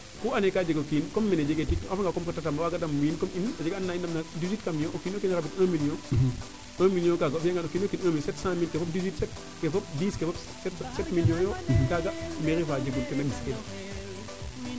ku ando naye ka jeg o kiin comme mene jege tig ko reta ta bo waago dam wiin comme in a jega wa i ndam ina 18 camion o kiino kiin arabid un million un million kaga o fiya ngan o kion kiin sept cent mille ke fop dix ke fop dix ke fop sept million yo kaaga mairie faa njegun tena mbiskel